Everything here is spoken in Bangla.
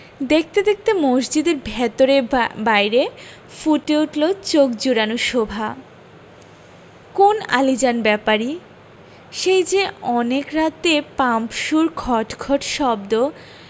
দেখতে দেখতে মসজিদের ভেতরে বাইরে ফুটে উঠলো চোখ জুড়োনো শোভা কোন আলীজান ব্যাপারী সেই যে অনেক রাতে পাম্পসুর খট খট শব্দ